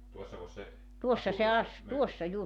tuossakos se asuu tuossa mökissä